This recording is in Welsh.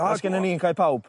O. Os gynnon ni'n cae pawb.